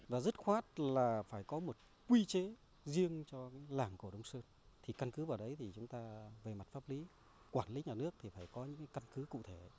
và dứt khoát là phải có một quy chế riêng cho cái làng cổ đông sơn thì căn cứ vào đấy thì chúng ta về mặt pháp lý quản lý nhà nước thì phải có những căn cứ cụ thể